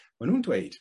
Ma' nhw'n dweud